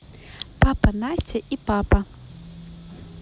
папа настя и папа